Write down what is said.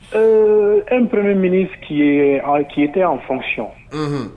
Ee un premier ministre qui était en fonction unhun